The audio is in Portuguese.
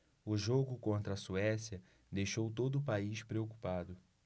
o jogo contra a suécia deixou todo o país preocupado